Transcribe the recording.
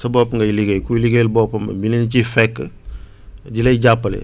sa bopp ngay liggéeyal kuy liggéeyal boppam ñu leen ciy fekk di lay jàppale